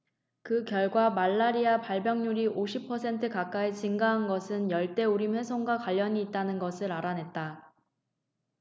그 결과 말라리아 발병률이 오십 퍼센트 가까이 증가한 것은 열대 우림 훼손과 관련이 있다는 것을 알아냈다